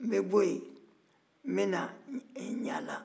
n bɛ bɔ yen n bɛ na ɲala